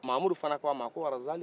mamudu fana k'a ma a ko arazali